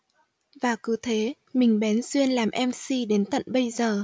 và cứ thế mình bén duyên làm mc đến tận bây giờ